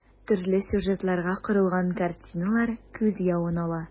Төрле сюжетларга корылган картиналар күз явын ала.